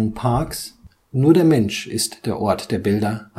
Parks „ Nur der Mensch ist der Ort der Bilder